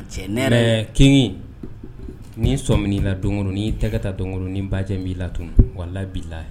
Cɛ n kin ni sɔ min'i la donɔrɔnin tɛgɛta donɔrɔnin bajɛ b'i la tun wala b'i la